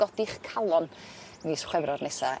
godi'ch calon mis Chwefror nesa